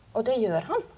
og det gjør han.